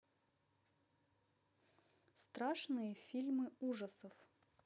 страшные фильмы ужасов